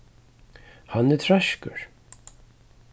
hann er treiskur